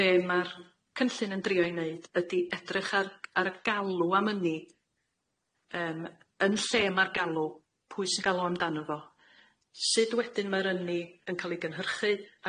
be' ma'r cynllun yn drio'i neud ydi edrych ar ar y galw am ynni, yym yn lle ma'r galw, pwy sy galw amdano fo, sud wedyn ma'r ynni yn ca'l ei gynhyrchu,